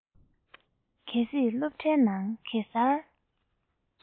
གལ སྲིད སློབ གྲྭའི ནང གེ སར